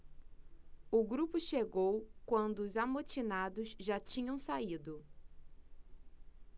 o grupo chegou quando os amotinados já tinham saído